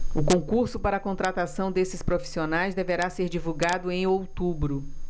o concurso para contratação desses profissionais deverá ser divulgado em outubro